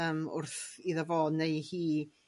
Yym wrth iddo fo neu hi